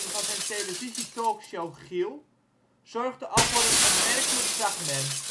van zijn televisietalkshow GIEL zorgde al voor een opmerkelijk fragment